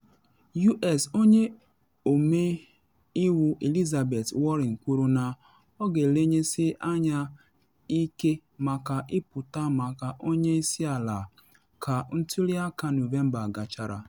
U.S. Onye Ọmeiwu Elizabeth Warren kwuru na ọ “ga-elenyesị anya ike maka ịpụta maka onye isi ala” ka ntuli aka Nọvemba gachara.